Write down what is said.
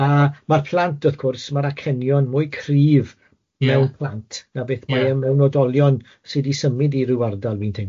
A ma'r plant wrth gwrs, ma'r acenion mwy cryf... Ie. ...mewn plant na beth mae o mewn oedolion sy'n symud i ryw ardal fi'n teimlo.